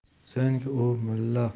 so'ng u mulla